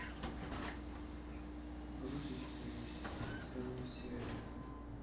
бросить курить электронные сигареты